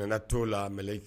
A nana to la, mɛlɛkɛ